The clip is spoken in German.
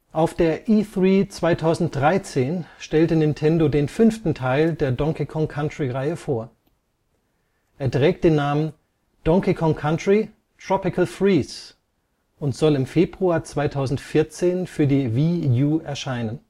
Auf der E3 2013 stelle Nintendo den fünften Teil der Donkey-Kong-Country-Reihe vor. Er trägt den Namen Donkey Kong Country: Tropical Freeze und soll im Februar 2014 für die Wii U erscheinen